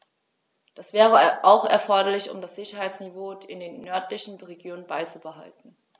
Das wäre auch erforderlich, um das Sicherheitsniveau in den nördlichen Regionen beizubehalten.